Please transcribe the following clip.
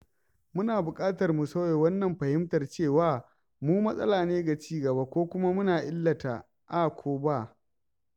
Muna buƙatar mu sauya wannan fahimtar cewa mu matsala ne ga cigaba ko kuma muna illata A ko B.